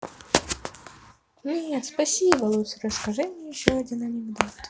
нет спасибо лучше расскажи мне еще один анекдот